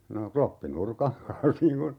no kloppinurkan kanssa niin kuin